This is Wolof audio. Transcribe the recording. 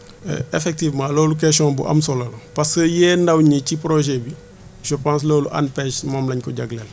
effectivement loolu question bu am solo la parce que yee ndaw ñi ci projet bi je pense loolu ANPEJ moom la ñu ko jagleel